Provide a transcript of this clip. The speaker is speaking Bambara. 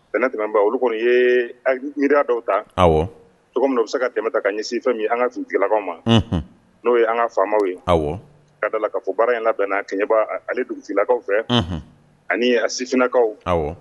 Tɛmɛ ban olu kɔni ye mi dɔw ta aw tɔgɔ min u bɛ se ka tɛmɛ ta ka ɲɛ sifɛ min an ka dugulakaw ma n'o ye an ka faama ye aw ka dala k kaa fɔ baara in bɛnna kɛɲɛ' ale dugulakaw fɛ ani a sifininakaw aw